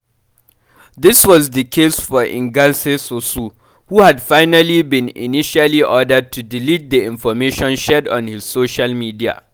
This was the case for Ignace Sossou, who had been initially ordered to delete the information shared on his social media.